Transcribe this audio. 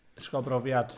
Ysgol brofiad.